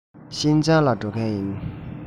ཤིན ཅང ལ འགྲོ མཁན ཡིན